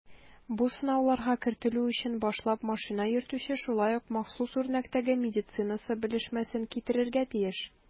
Бу сынауларга кертелү өчен башлап машина йөртүче шулай ук махсус үрнәктәге медицинасы белешмәсен китерергә тиеш.